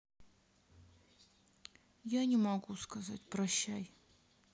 я не могу сказать прощай